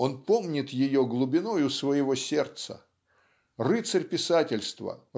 Он помнит ее глубиною своего сердца. Рыцарь писательства